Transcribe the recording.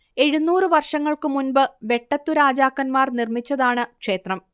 എഴുന്നൂറ് വർഷങ്ങൾക്കു മുൻപ് വെട്ടത്തു രാജാക്കൻമാർ നിർമ്മിച്ചതാണ് ക്ഷേത്രം